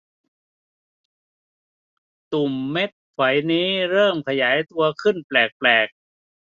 ตุ่มเม็ดไฝนี้เริ่มขยายตัวขึ้นแปลกแปลก